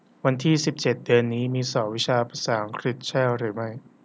วันที่สิบเจ็ดเดือนนี้มีสอบวิชาภาษาอังกฤษใช่หรือไม่